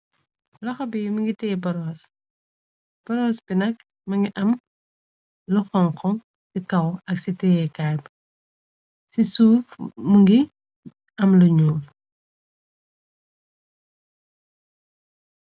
Loxo bi mu ngi tiye boros, boros bi nag mu ngi am lu xonxo, si kaw ak si tée caay bi di suuf, mu ngi am lu ñuul.